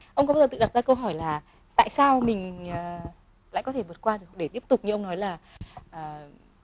ông có bao giờ tự đặt ra câu hỏi là tại sao mình à lại có thể vượt qua được để tiếp tục như ông nói là à